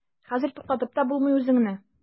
Хәзер туктатып та булмый үзеңне.